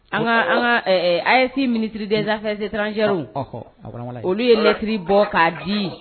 An ka an ka ɛ ɛ AES ministère des affaires étrangères ;ɔnhɔn, a walawala ye; olu ye lɛtiri bɔ k'a di